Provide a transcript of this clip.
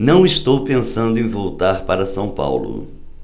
não estou pensando em voltar para o são paulo